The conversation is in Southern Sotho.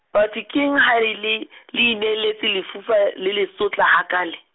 batho ke eng ha e le , le in eletse lefufa le le sotla hakaale?